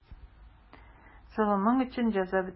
Золымың өчен җәза бетте.